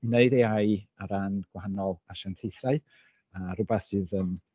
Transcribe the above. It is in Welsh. wneud AI ar ran gwahanol asiantaethau a rywbath sydd yn...